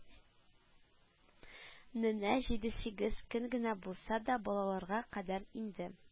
Ненә җиде-сигез көн генә булса да, балаларга кадәр инде